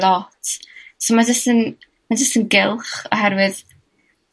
lot. So ma' jyst yn ma' jyst yn gylch oherwydd